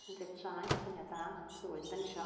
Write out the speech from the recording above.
Mynd i'r traeth syniad da. Tywydd dan ni isio.